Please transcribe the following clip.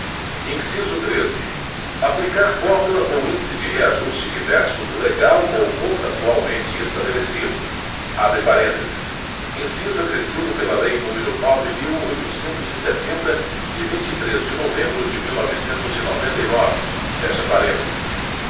inciso treze aplicar fórmula ou índice de reajuste diverso do legal ou contratualmente estabelecido abre parênteses inciso acrescido pela lei número nove mil oitocentos e setenta de vinte e três de novembro de mil novecentos e noventa e nove fecha parênteses